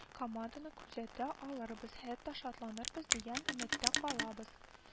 Команданы күзәтә алырбыз, хәтта шатланырбыз, дигән өметтә калабыз